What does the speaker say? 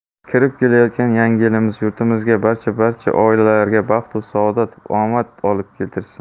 kirib kelayotgan yangi yilimiz yurtimizga barcha barcha oilalarga baxtu saodat va omad keltirsin